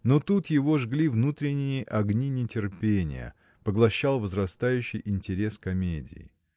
Но тут его жгли внутренние огни нетерпения, поглощал возрастающий интерес комедии.